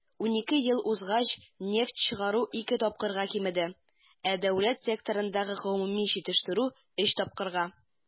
12 ел узгач нефть чыгару ике тапкырга кимеде, ә дәүләт секторындагы гомуми җитештерү - өч тапкырга.